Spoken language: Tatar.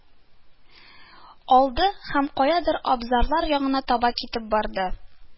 Алды һәм каядыр абзарлар ягына таба китеп барды